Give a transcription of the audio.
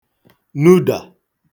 nudà